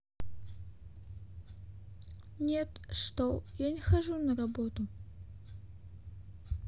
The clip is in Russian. нет что я не хожу на работу